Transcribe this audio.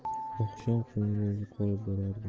oqshom qo'ynida yo'qolib borardi